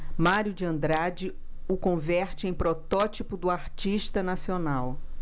mário de andrade o converte em protótipo do artista nacional